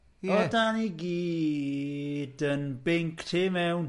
O dan ni gyd yn binc tu mewn.